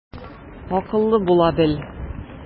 Акыллы була бел.